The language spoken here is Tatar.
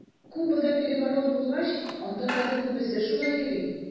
Кубада переворот булгач, анда хәзер күбесе шулай йөри.